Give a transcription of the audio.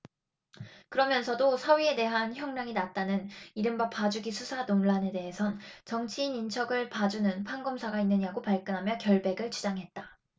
그러면서도 사위에 대한 형량이 낮다는 이른바 봐주기 수사 논란에 대해선 정치인 인척을 봐주는 판검사가 있느냐고 발끈하며 결백을 주장했다